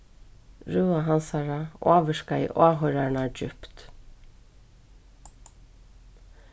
røða hansara ávirkaði áhoyrararnar djúpt